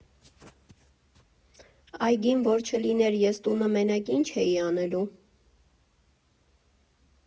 Այգին որ չլիներ ես տունը մենակ ի՞նչ էի անելու։